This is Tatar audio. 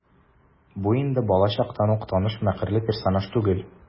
Бу инде балачактан ук таныш мәкерле персонаж түгел.